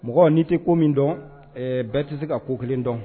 Mɔgɔ n'i tɛ ko min dɔn bɛɛ tɛ se ka ko kelen dɔn